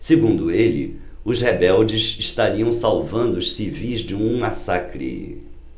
segundo ele os rebeldes estariam salvando os civis de um massacre